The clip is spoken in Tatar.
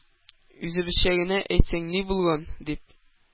Үзебезчә генә әйтсәң ни булган? - дип,